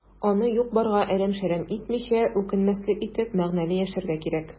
Аны юк-барга әрәм-шәрәм итмичә, үкенмәслек итеп, мәгънәле яшәргә кирәк.